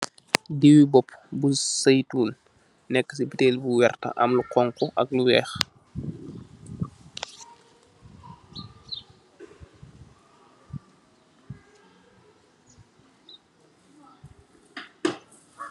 Diwi bopu bu zaitul, nek si butail bu werta, am lu khonkhu, ak lu weekh.